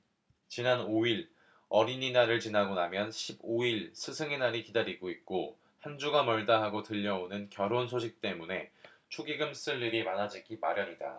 지난 오 일 어린이날을 지나고 나면 십 오 일 스승의날이 기다리고 있고 한 주가 멀다하고 들려오는 결혼 소식때문에 축의금을 쓸 일이 많아지기 마련이다